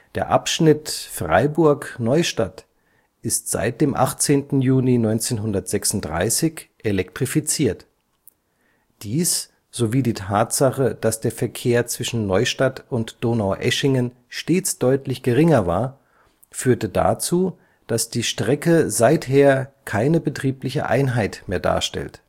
Der Abschnitt Freiburg – Neustadt ist seit dem 18. Juni 1936 elektrifiziert; dies sowie die Tatsache, dass der Verkehr zwischen Neustadt und Donaueschingen stets deutlich geringer war, führte dazu, dass die Strecke seither keine betriebliche Einheit mehr darstellt